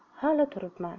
hali turibman